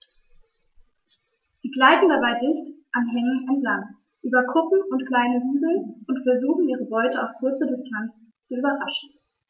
Sie gleiten dabei dicht an Hängen entlang, über Kuppen und kleine Hügel und versuchen ihre Beute auf kurze Distanz zu überraschen.